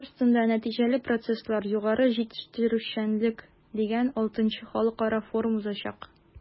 “корстон”да “нәтиҗәле процесслар-югары җитештерүчәнлек” дигән vι халыкара форум узачак.